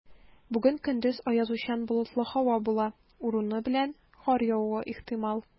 Бүген көндез аязучан болытлы һава була, урыны белән кар явуы ихтимал.